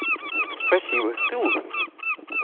спасибо ты лучшая